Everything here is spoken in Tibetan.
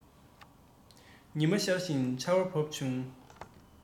ཉི མ ཤར ཞིང ཆར བ བབས བྱུང